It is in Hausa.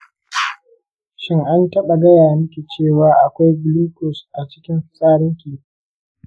shin an taɓa gaya miki cewa akwai glucose a cikin fitsarinki?